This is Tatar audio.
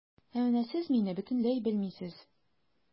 Ә менә сез мине бөтенләй белмисез.